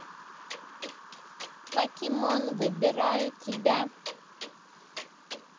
покемон выбираю тебя